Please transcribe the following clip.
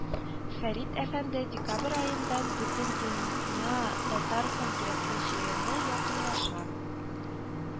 Фәрит әфәнде, декабр аенда Бөтендөня татар конгрессы җыены якынлаша